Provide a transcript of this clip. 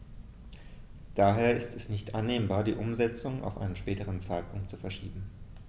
Daher ist es nicht annehmbar, die Umsetzung auf einen späteren Zeitpunkt zu verschieben.